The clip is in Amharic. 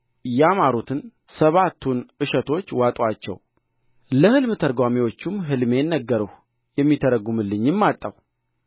ያማሩትን ሰባቱን እሸቶች ዋጡአቸው ለሕልም ተርጓሚዎችም ሕልሜን ነገርሁ የሚተረጕምልኝም አጣሁ